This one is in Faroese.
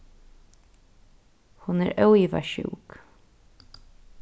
hon er óivað sjúk